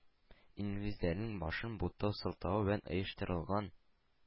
Инглизләрнең башын бутау сылтавы белән оештырылган